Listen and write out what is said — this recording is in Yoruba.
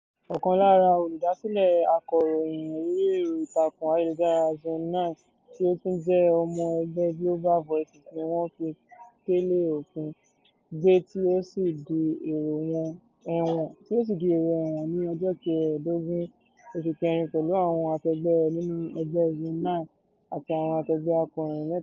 Ọkàn lára olùdásílẹ̀ akọ̀ròyìn orí ẹ̀rọ ìtàkùn ayélujára Zone9 tí ó tún jẹ́ ọmọ ẹgbẹ́ Global Voices ni wọ́n fi kélé òfin gbé tí ó sì di èrò ẹ̀wọ̀n ní ọjọ́ kẹẹ̀dógún oṣù kẹrin pẹ̀lú àwọn akẹgbẹ́ rẹ̀ nínú ẹgbẹ́ Zone9 àti àwọn akẹgbẹ́ akọ̀ròyìn mẹ́ta.